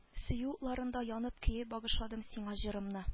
Сөю утларында янып-көеп багышладым сиңа җырымны